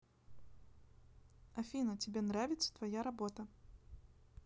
афина тебе нравится твоя работа